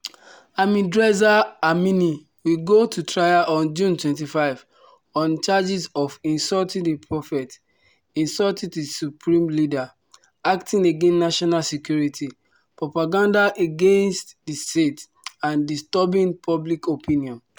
Hamidreza Amini will go to trial on June 25 on charges of “insulting the prophet”, “insulting the supreme leader”, “acting against national security”, “propaganda against the state” and “disturbing public opinion”.